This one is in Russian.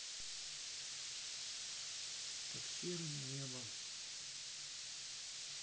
под серым небом